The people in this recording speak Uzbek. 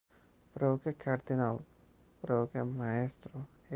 birovga kardinal birovga moestro